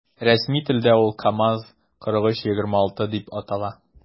Рәсми телдә ул “КамАЗ- 4326” дип атала.